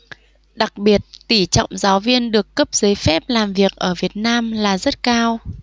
đặc biệt tỷ trọng giáo viên được cấp giấy phép làm việc ở việt nam là rất cao